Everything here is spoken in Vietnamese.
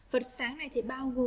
sáng nay chị bao gồm